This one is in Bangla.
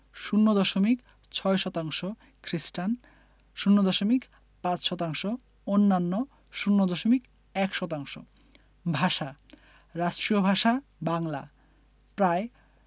০ দশমিক ৬ শতাংশ খ্রিস্টান ০দশমিক ৫ শতাংশ অন্যান্য ০দশমিক ১ শতাংশ ভাষাঃ রাষ্ট্রীয় ভাষা বাংলা প্রায়